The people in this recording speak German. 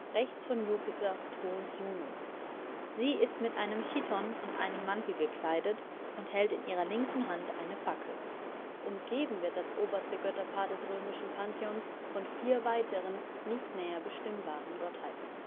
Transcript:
Rechts von Jupiter thront Juno. Sie ist mit einem Chiton und einem Mantel gekleidet und hält in ihrer linken Hand eine Fackel. Umgeben wird das oberste Götterpaar des römischen Pantheons von vier weiteren, nicht näher bestimmbaren, Gottheiten